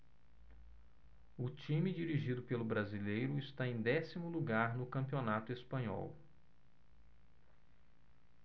o time dirigido pelo brasileiro está em décimo lugar no campeonato espanhol